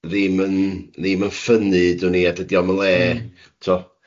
### ddim yn, ddim yn ffynnu, 'udwn i, a dydi o ddim yn le t'wo'.